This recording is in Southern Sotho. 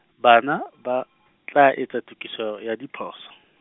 bana, ba, tla etsa tokiso ya diphoso .